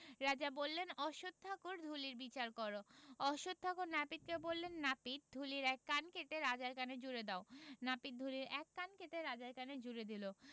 রাজা বললেন অশ্বত্থ ঠাকুর ঢুলির বিচার কর অশ্বত্থ ঠাকুর নাপিতকে বললেননাপিত ঢুলির একটি কান কেটে রাজার কানে জুড়ে দাও নাপিত ঢুলির একটি কান কেটে রাজার কানে জুড়ে দিল